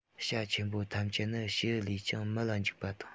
བྱ ཆེན པོ ཐམས ཅད ནི བྱེའུ ལས ཀྱང མི ལ འཇིགས པ དང